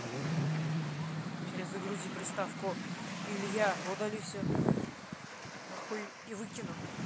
перезагрузи приставку или я удали все нахуй и выкину